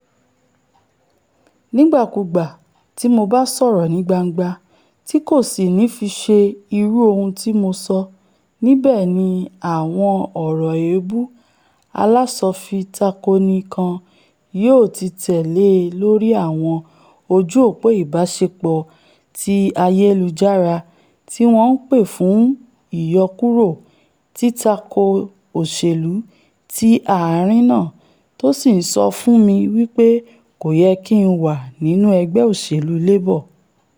Nígbàkúùgbà tí Mo bá sọ̀rọ̀ ni gbangba - tí kòsì ní fiṣe irú ohun ti Mo sọ - níbẹ̀ ni àwọn ọ̀rọ̀ èèbú alásọfitakoni kan yóò ti tẹ̀lé e lórí àwọn ojú-òpó ìbáṣepọ̀ ti ayelujara tíwọn ńpè fún ìyọkúrò, títako òṣèlú ti ààrin náà, tó sì ńsọ fún mi wí pé kòyẹ ki N wà nínú ẹgbẹ́ òṣèlú Labour.